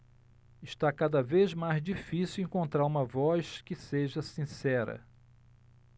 está cada vez mais difícil encontrar uma voz que seja sincera